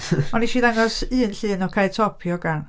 O wnes i ddangos un llun o Cae Top i hogan.